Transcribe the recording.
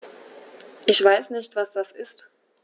Ich weiß nicht, was das ist.